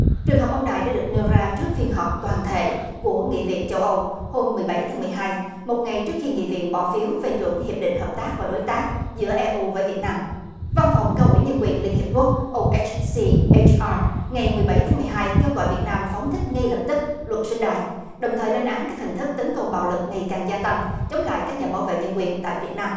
trường hợp ông đài đã được nêu ra trước phiên họp toàn thể của nghị viện châu âu hôm mười bảy tháng mười hai một ngày trước khi nghị viện bỏ phiếu phê chuẩn hiệp định hợp tác và đối tác giữa e u với việt nam văn phòng cao ủy nhân quyền liên hiệp quốc u ét si ét a ngày mười bảy tháng mười hai kêu gọi việt nam phóng thích ngay lập tức luật sư đài đồng thời lên án các hình thức tấn công bạo lực ngày càng gia tăng chống lại các nhà bảo vệ nhân quyền tại việt nam